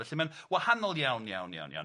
Felly ma'n wahanol iawn, iawn, iawn, iawn.